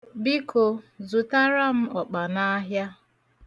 Biko, zụtara m ọkpa n'ahịa.